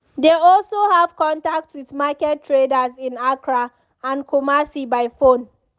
They also have contact with market traders in Accra and Kumasi by phone.